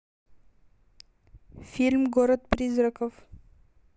фильм город призраков